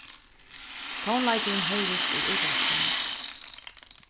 tónleikurin hoyrist í útvarpinum